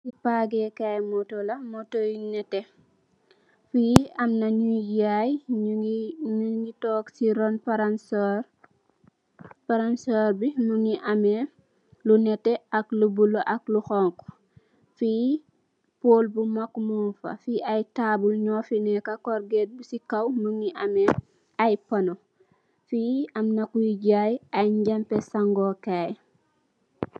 Fii parkgeh kaii motor la motor yu nehteh, fii amna njui jaai njungy, njungy tok cii ron palansorr, palansorr bii mungy ameh lu nehteh ak lu bleu ak lu honhu, fii pol bu mak mung fa, fii aiiy taabul njur fii neka, corrigate bii cii kaw mungy ameh aiiy pohnoh, fii amna kuii jaiii aiiy njampeh sangor kaii.